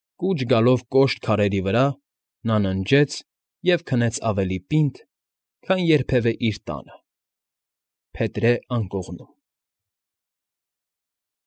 Կուչ գալով կոշտ քարերի վրա՝ նա ննջեց և քնեց ավելի պինդ, քան երբևէ իր տանը, փետրե անկողնում։